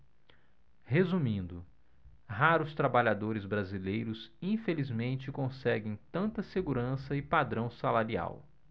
resumindo raros trabalhadores brasileiros infelizmente conseguem tanta segurança e padrão salarial